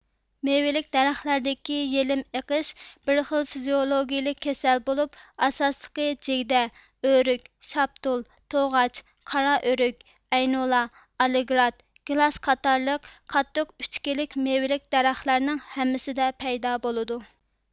مېۋىلىك دەرەخلەردىكى يېلىم ئېقىش بىر خىل فىزىئولوگىيىلىك كېسەل بولۇپ ئاساسلىقى جىگدە ئۆرۈك شاپتۇل توغاچ قارائۆرۈك ئەينۇلا ئالگرات گىلاس قاتارلىق قاتتىق ئۈچكىلىك مېۋىلىك دەرەخلەرنىڭ ھەممىسىدە پەيدا بولىدۇ